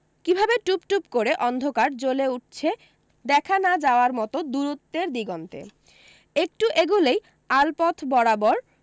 কিভাবে টুপ টুপ করে অন্ধকার জ্বলে উঠছে দেখা না যাওয়ার মতো দূরত্বের দিগন্তে একটু এগোলেই আলপথ বরাবর